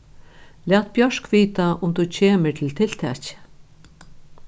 lat bjørk vita um tú kemur til tiltakið